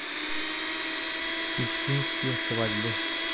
кищинские свадьбы